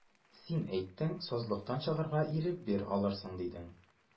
Син әйттең, сазлыктан чыгарга ирек бир, алырсың, дидең.